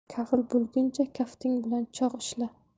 kafil bo'lguncha kafting bilan cho'g' ushla